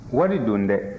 wari don dɛ